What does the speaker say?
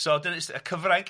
So dyna jyst y cyfrainc.